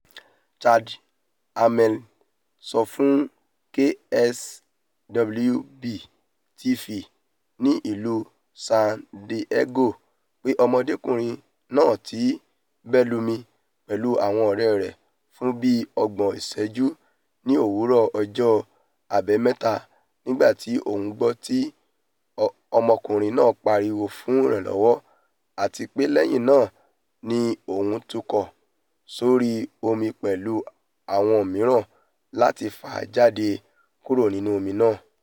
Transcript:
Chad Hammel sọ fún KSWB-TV ní ìlú San Diego pé ọmọdé kὺnrin náà́ ti ńbẹ́lumi pẹ̀lú àwọn ọ̀rẹ́ rẹ fún bíi ϙgbòn ìṣẹjú ní òwúrọ̀ ọjọ́ Àbámẹ́ta nígbàtí òun gbọ́ tí ọmọkùnrin náà ńpariwo fún ìrànlọ́wọ́ àtipé lẹ́yìn náà ni òun tukọ̀ s’órí omi pẹ̀lú àwọn ̣́miran láti fà á jade kúrô nínú omi náà.